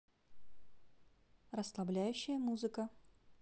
расслабляющая музыка